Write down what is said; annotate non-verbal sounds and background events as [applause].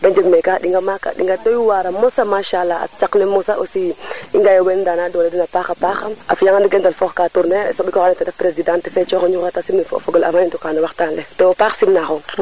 te jeg meeke a ɗinga maak a ɗinga doy waar a mosa machaalah ceq ne mosa aussi [unintelligible] a paxa paax a fiya ngan ga i ndalfoka tourner soɓ ko xa ando naye ten ref presidente fe coxa ñuxro le te sim ni tid avant i ndoka no waxtaan le tewo paax sima xong